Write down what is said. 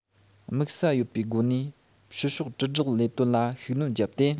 དམིགས ས ཡོད པའི སྒོ ནས ཕྱི ཕྱོགས དྲིལ བསྒྲགས ལས དོན ལ ཤུགས སྣོན བརྒྱབ སྟེ